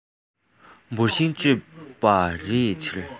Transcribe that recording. བུར ཤིང གཅོད པ རི ཡི ཕྱིར